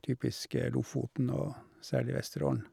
Typisk Lofoten og særlig Vesterålen.